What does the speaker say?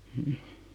mm